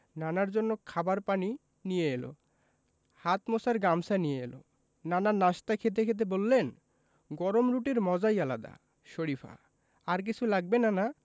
নানার জন্য খাবার পানি নিয়ে এলো হাত মোছার গামছা নিয়ে এলো নানা নাশতা খেতে খেতে বললেন গরম রুটির মজাই আলাদা শরিফা আর কিছু লাগবে নানা